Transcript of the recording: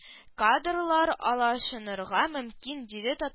Кадрлар алышынырга мөмкин диде тат